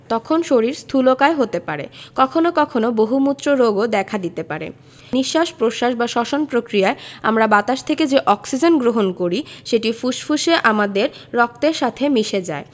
তখন শরীর স্থুলকায় হতে পারে কখনো কখনো বহুমূত্র রোগও দেখা দিতে পারে নিঃশ্বাস প্রশ্বাস বা শ্বসন প্রক্রিয়ায় আমরা বাতাস থেকে যে অক্সিজেন গ্রহণ করি সেটি ফুসফুসে আমাদের রক্তের সাথে মিশে যায়